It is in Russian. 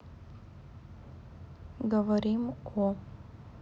говорим о